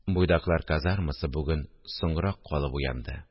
Буйдаклар казармасы бүген соңрак калып уянды